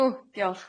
O diolch.